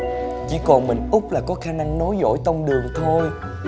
chỉ còn mình út là có khả năng nối dõi tông đường thôi